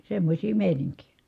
semmoisia meininkejä